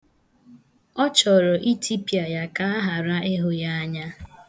Ọ chọrọ itipịa ya ka a ghara ịhụ ya anya.